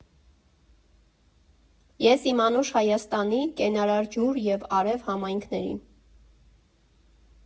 Ես իմ անուշ Հայաստանի… կենարար ջուր և արև համայնքներին։